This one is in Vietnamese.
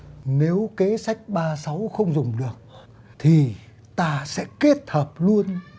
nếu kế sách ba sáu không dùng được thì ta sẽ kết hợp luôn